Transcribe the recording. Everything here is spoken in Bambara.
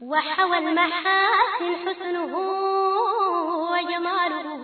Wa we wakumadu